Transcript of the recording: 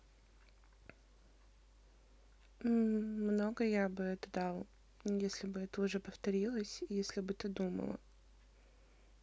много я бы это дал если бы это уже повторилось если бы ты думала